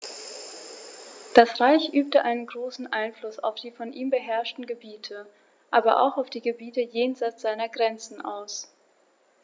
Das Reich übte einen großen Einfluss auf die von ihm beherrschten Gebiete, aber auch auf die Gebiete jenseits seiner Grenzen aus.